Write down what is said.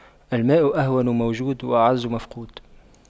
الماء أهون موجود وأعز مفقود